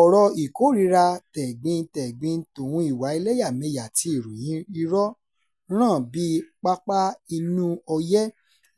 Ọ̀rọ̀ ìkórìíra tẹ̀gbintẹ̀gbin tòun ìwà ẹlẹ́yàmẹyà àti ìròyìn irọ́ ràn bíi pápá inú ọyẹ́